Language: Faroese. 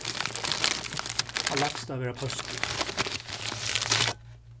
hann lætst at vera pøstur